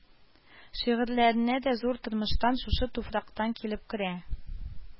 Шигырьләренә дә зур тормыштан, шушы туфрактан килеп керә